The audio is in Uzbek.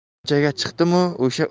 ko'chaga chiqdimu o'sha